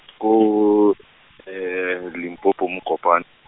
ko, Limpopo Mokopane.